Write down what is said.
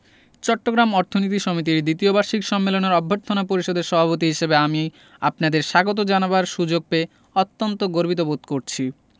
চট্টগ্রাম অর্থনীতি সমিতির দ্বিতীয় বার্ষিক সম্মেলনের অভ্যর্থনা পরিষদের সভাপতি হিসেবে আমি আপনাদের স্বাগত জানাবার সুযোগ পেয়ে অত্যন্ত গর্বিত বোধ করছি